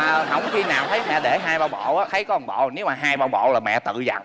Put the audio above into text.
mà hổng khi nào thấy mẹ để hai ba bộ á thấy có bộ nếu mà hai ba bộ là mẹ tự giặt